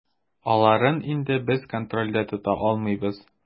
Аларын инде без контрольдә тота алмыйбыз.